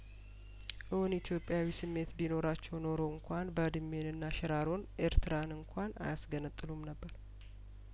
እውን ኢትዮጵያዊ ስሜት ቢኖራቸው ኖሮ እንኳን ባድሜንና ሽራሮን ኤርትራን እንኳን አያስገነጥሉም ነበር